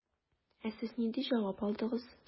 Ә сез нинди җавап алдыгыз?